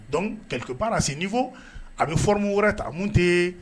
Dɔn kɛlɛke baara se nifɔ a bɛ fmu wɛrɛ ta mun tɛ